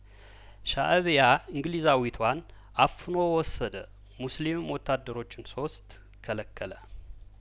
ሻእቢያ እንግሊዛዊቷን አፍኖ ወሰደ ሙስሊም ወታደሮችን ሶስት ከለከለ